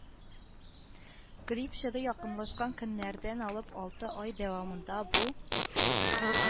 Грипп чоры якынлашкан көннәрдән алып алты ай дәвамында бу